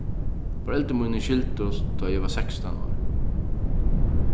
foreldur míni skildust tá ið eg var sekstan ár